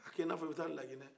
k'a kɛ inafɔ i bɛ taa laginɛ